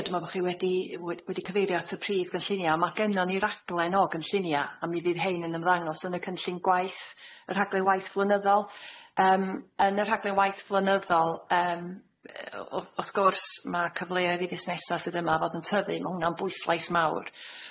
Ie dwi me'wl bo' chi wedi we- wedi cyfeirio at y prif gynllunia a ma' gennon ni raglen o gynllunia a mi fydd hein yn ymddangos yn y cynllun gwaith y rhaglen waith flynyddol yym yn y rhaglen waith flynyddol yym yy o- o- wrth gwrs ma' cyfleoedd i fusnesa sydd yma fod yn tyfu ma' hwnna'n bwyslais mawr.